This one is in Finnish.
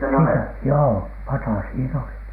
- joo pata siinä oli sisällä